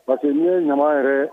Baseke ɲama yɛrɛ